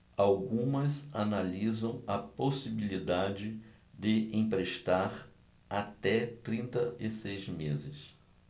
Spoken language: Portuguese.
algumas analisam a possibilidade de emprestar até trinta e seis meses